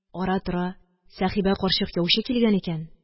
Ара-тора «Сәхибә карчык яучы килгән икән»